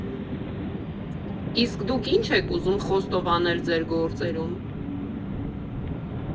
Իսկ դուք ի՞նչ եք ուզում խոստովանել ձեր գործերում։